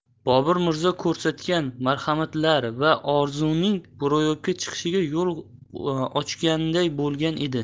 bobur mirzo ko'rsatgan marhamatlar bu orzuning ro'yobga chiqishiga yo'l ochganday bo'lgan edi